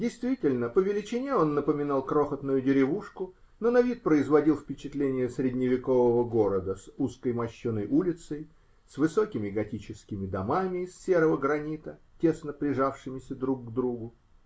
Действительно, по величине он напоминал крохотную деревушку, но на вид производил впечатление средневекового города, с узкой мощеной улицей, с высокими готическими домами из серого гранита, тесно прижавшимися друг к другу.